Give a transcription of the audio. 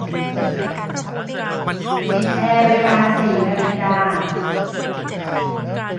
ปิดแอร์เวลาสี่นาฬิกา